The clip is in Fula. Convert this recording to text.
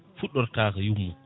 fuɗɗortako yummum